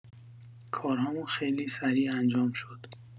کارهامون خیلی سریع انجام شد